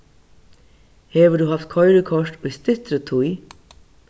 hevur tú havt koyrikort í styttri tíð